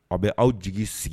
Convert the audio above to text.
A bɛ aw jigi sigi